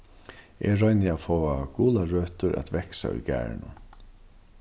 eg royni at fáa gularøtur at vaksa í garðinum